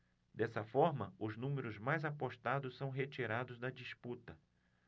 dessa forma os números mais apostados são retirados da disputa